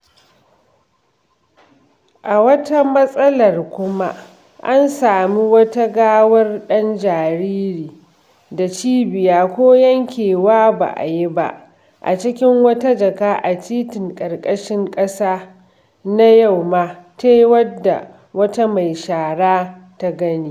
A wata matsalar kuma, an sami wata gawar ɗan jariri da cibiya ko yankewa ba a yi ba a cikin wata jaka a titin ƙarƙashin ƙasa na Yau Ma Tei wadda wata mai shara ta gani.